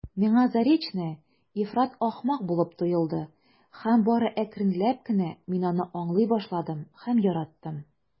Миңа Заречная ифрат ахмак булып тоелды һәм бары әкренләп кенә мин аны аңлый башладым һәм яраттым.